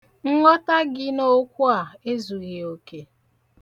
Nghọta gị n'okwu ezughị oke.